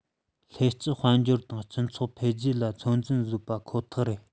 སླད ཕྱིན དཔལ འབྱོར དང སྤྱི ཚོགས འཕེལ རྒྱས ལ ཚོད འཛིན བཟོ བའི ཁོ ཐག རེད